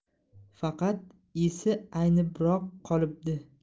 faqat esi aynibroq qolibdi